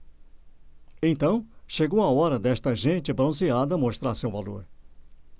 então chegou a hora desta gente bronzeada mostrar seu valor